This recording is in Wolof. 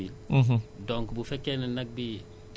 ci normalement seize mille nga waroon fay